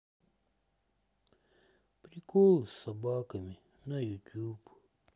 приколы с собаками на ютуб